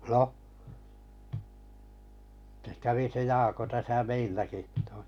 no se kävi se Jaakko tässä meilläkin -